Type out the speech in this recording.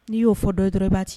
Ni y'o fɔ dɔrɔn ibati